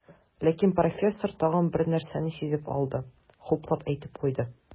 Ләкин профессор тагын бер нәрсәне сизеп алды, хуплап әйтеп куйды.